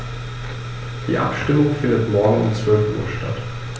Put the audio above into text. Die Abstimmung findet morgen um 12.00 Uhr statt.